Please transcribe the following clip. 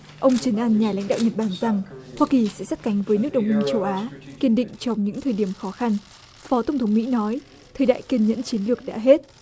ông trấn an nhà lãnh đạo nhật bản rằng hoa kỳ sẽ sát cánh với nước đồng minh châu á kiên định trong những thời điểm khó khăn phó tổng thống mỹ nói thời đại kiên nhẫn chiến lược đã hết